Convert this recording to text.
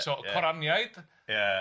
so Coraniaid. Ia.